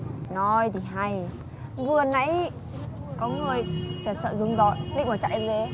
nói thì hay vừa nãy có người chả sợ dúm gió định bỏ chạy